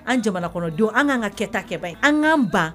An jamana kɔnɔ don an k'an ka kɛtakɛba an'an ban